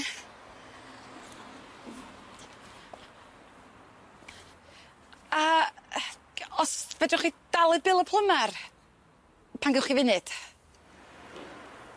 A yy g- os fedrwch chi dal y bil y plymar, pan gewch chi funud.